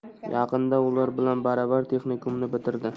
yaqinda ular bilan baravar texnikumni bitirdi